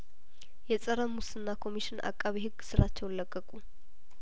የጸረ ሙስና ኮሚሽን አቃቤ ህግ ስራቸውን ለቀቁ